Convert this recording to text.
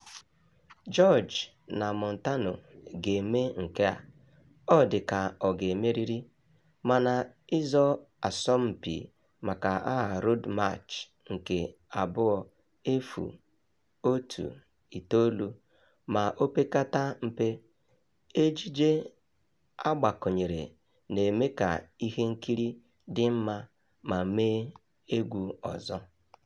George na Montano ga-eme nke a, ọ dị ka ọ ga-emerịrị, ma na ịzọ asọmpị maka aha Road March nke 2019 ma opekatampe, ejije a gbakọnyere na-eme ka ihe nkiri dị mma ma mee egwu ọzọ.